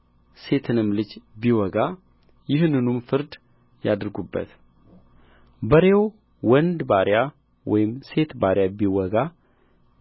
ሴትንም ልጅ ቢወጋ ይህንኑ ፍርድ ያድርጉበት በሬው ወንድ ባሪያ ወይም ሴት ባሪያ ቢወጋ